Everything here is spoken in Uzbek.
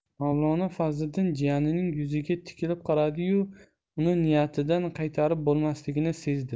mavlono fazliddin jiyanining yuziga tikilib qaradi yu uni niyatidan qaytarib bo'lmasligini sezdi